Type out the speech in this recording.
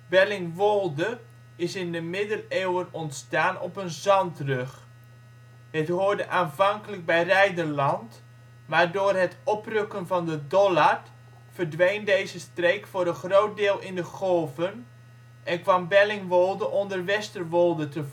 Bellingwolde is in de Middeleeuwen ontstaan op een zandrug. Het hoorde aanvankelijk bij Reiderland, maar door het oprukken van de Dollard verdween deze streek voor een groot deel in de golven en kwam Bellingwolde onder Westerwolde te vallen